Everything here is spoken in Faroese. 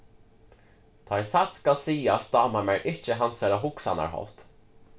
tá ið satt skal sigast dámar mær ikki hansara hugsanarhátt